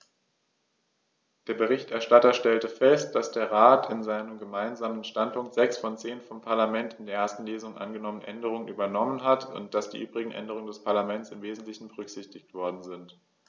Der Berichterstatter stellte fest, dass der Rat in seinem Gemeinsamen Standpunkt sechs der zehn vom Parlament in der ersten Lesung angenommenen Änderungen übernommen hat und dass die übrigen Änderungen des Parlaments im wesentlichen berücksichtigt worden sind.